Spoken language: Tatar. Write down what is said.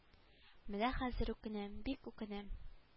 Менә хәзер үкенәм бик үкенәм